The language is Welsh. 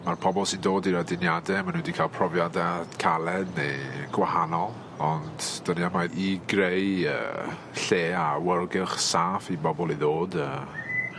ma'r pobol sy'n dod i'r aduniade ma' n'w 'di ca'l profiada caled ne' gwahanol ond 'dyn n yma i greu yy lle a awyrgylch saff i bobol i ddod a